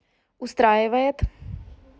устраивает